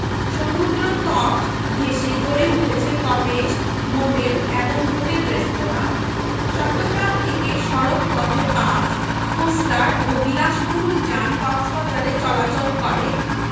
সমুদ্রতট ঘেঁষে গড়ে উঠেছে কটেজ মোটেল এবং হোটেল রেস্তোরাঁ চট্টগ্রাম থেকে সড়ক পথে বাস কোস্টার ও বিলাসবহুল যান কক্সবাজারে চলাচল করে